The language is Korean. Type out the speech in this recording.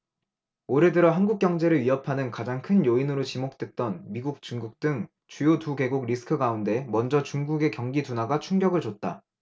올해 들어 한국 경제를 위협하는 가장 큰 요인으로 지목됐던 미국 중국 등 주요 두 개국 리스크 가운데 먼저 중국의 경기 둔화가 충격을 줬다